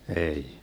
ei